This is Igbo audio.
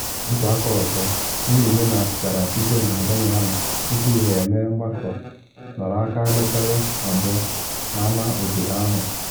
Otu aka ọzọ, ndị Remainers gara site na Birmingham tupu ha emee mgbakọ nọrọ aka elekere-abụọ n’ama obodo ahụ.